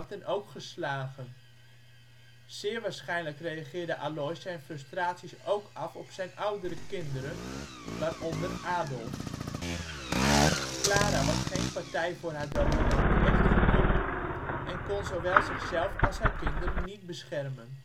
en ook geslagen. Zeer waarschijnlijk reageerde Alois zijn frustraties ook af op zijn oudere kinderen, waaronder Adolf. Klara was geen partij voor haar dominante echtgenoot en kon zowel zichzelf als haar kinderen niet beschermen